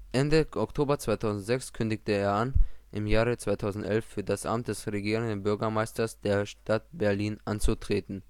Ende Oktober 2006 kündigte er an, im Jahre 2011 für das Amt des Regierenden Bürgermeisters der Stadt Berlin anzutreten